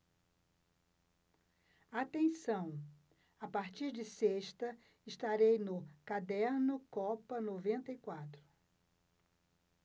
atenção a partir de sexta estarei no caderno copa noventa e quatro